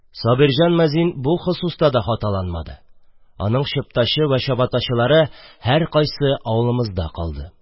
Сабирҗан мәзин бу хосуста да хаталанмады – аның чыптачы вә чабатачылары һәркайсы авылымызда калды.